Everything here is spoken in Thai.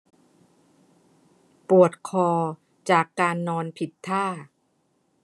ปวดคอจากการนอนผิดท่า